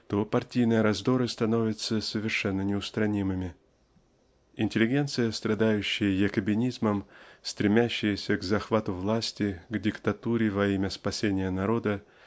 то партийные раздоры становятся совершенно неустранимыми. Интеллигенция страдающая "якобинизмом" стремящаяся к "захвату власти" к "диктатуре" во имя опасения народа